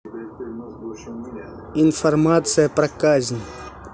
информация про казань